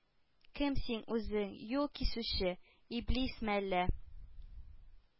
Кем син үзең? Юл кисүче? Иблисме әллә?